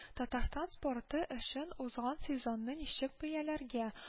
Татарстан спорты өчен узган сезонны ничек бәяләргә